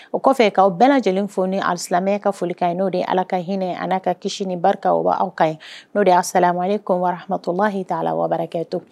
O kɔfɛ k'aw bɛɛ lajɛlen fo ni alisilamɛya ka folikan ye n'o de ye Ala ka hinɛ an'a ka kisi ni barika o b'aw kan ye n'o de ye asalamuwalekum warahmatulahi taala wabarakɛtuh